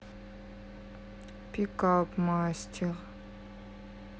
пикап мастер